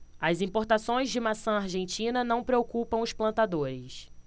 as importações de maçã argentina não preocupam os plantadores